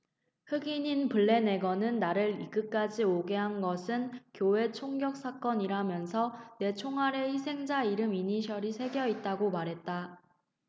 흑인인 플래내건은 나를 이 끝까지 오게 한 것은 교회 총격사건이라면서 내 총알에 희생자 이름 이니셜이 새겨져 있다고 말했다